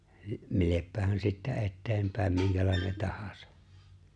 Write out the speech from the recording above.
millepähän sitten eteenpäin minkälainen tahansa